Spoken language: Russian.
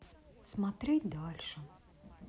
смотреть дальше